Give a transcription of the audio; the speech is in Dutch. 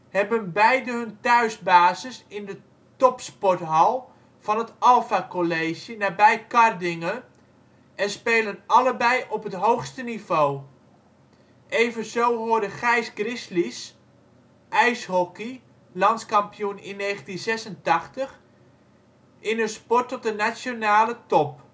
hebben beide hun thuisbasis in de topsporthal van het Alfacollege nabij Kardinge en spelen allebei op het hoogste niveau. Evenzo horen Gijs Grizzlies (ijshockey, landskampioen 1986) in hun sport tot de nationale top